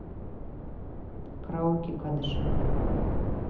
караоке кадышева